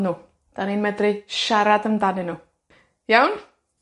nw, 'dan ni'n medru siarad amdanyn nw. Iawn?